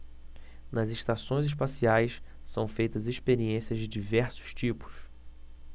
nas estações espaciais são feitas experiências de diversos tipos